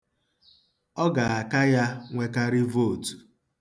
Ọ ga-aka ya nwekarị vootu.